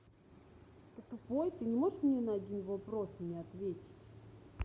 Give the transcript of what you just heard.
ты тупой ты не можешь мне на один вопрос мне ответить